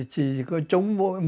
chỉ có chống muỗi